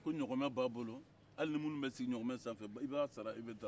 ko ɲaamɛ b'a bolo hali nin minnu bɛ sigi ɲaamɛ sanfɛ i b'a sara i bɛ taa